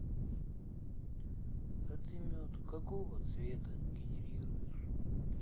а ты мед какого цвета генерируешь